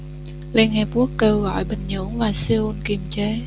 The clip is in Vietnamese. liên hiệp quốc kêu gọi bình nhưỡng và seoul kiềm chế